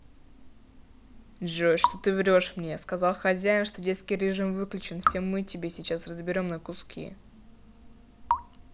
джой что ты врешь мне сказал хозяин что детский режим выключен все мы тебе сейчас разберем на куски